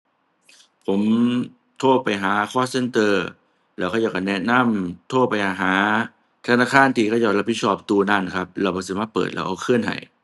ผมโทรไปหา call center แล้วเขาเจ้าก็แนะนำโทรไปหาธนาคารที่เขาเจ้ารับผิดชอบตู้นั้นครับ แล้วก็สิมาเปิดแล้วเอาคืนให้